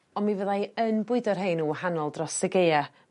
On' mi fyddai yn bwydo rhein yn wahanol dros y Gaea.